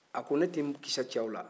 a ko ne tɛ kisɛ ci aw la